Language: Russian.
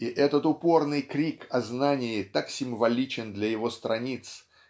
и этот упорный крик о знании так символичен для его страниц